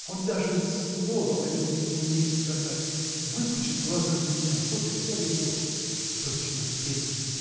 Он даже и слова о любви не умеет сказать: выпучит глаза на меня — вот и вся любовь! точно пень!